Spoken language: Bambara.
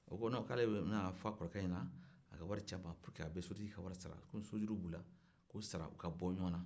a ko a bɛna fɔ a kɔrɔkɛ ɲɛna a ka wari c'a ma pour que a bɛ sotigi ka wari sara kɔmi sojuru b'u la k'o sara u ka bɔ ɲɔgɔnna